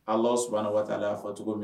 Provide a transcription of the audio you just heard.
Ala su waati taa la y'a fɔ cogo min